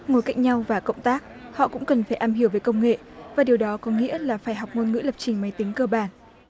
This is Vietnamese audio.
ngồi cạnh nhau và cộng tác họ cũng cần phải am hiểu về công nghệ và điều đó có nghĩa là phải học ngôn ngữ lập trình máy tính cơ bản